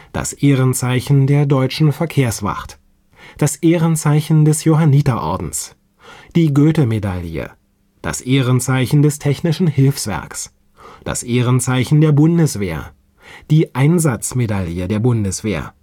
das Ehrenzeichen der Deutschen Verkehrswacht, das Ehrenzeichen des Johanniterordens, die Goethe-Medaille, das Ehrenzeichen des Technischen Hilfswerks, das Ehrenzeichen der Bundeswehr, die Einsatzmedaille der Bundeswehr